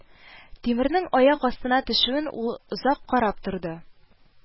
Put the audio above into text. Тимернең аяк астына төшүен ул озак карап торды